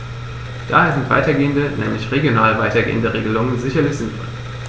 Daher sind weitergehende, nämlich regional weitergehende Regelungen sicherlich sinnvoll.